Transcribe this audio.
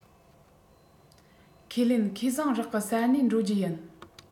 ཁས ལེན ཁེ བཟང རག གི ས གནས འགྲོ རྒྱུ ཡིན